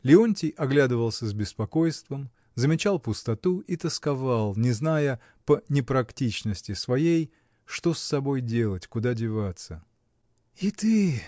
Леонтий оглядывался с беспокойством, замечал пустоту и тосковал, не зная, по непрактичности своей, что с собой делать, куда деваться. — И ты!